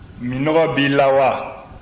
minnɔgɔ b'i la wa